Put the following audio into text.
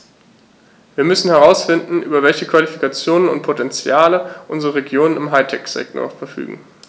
Wir müssen herausfinden, über welche Qualifikationen und Potentiale unsere Regionen im High-Tech-Sektor verfügen.